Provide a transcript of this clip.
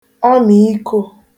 ọmị̀kō